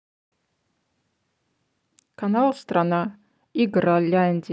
канал страна игрляндия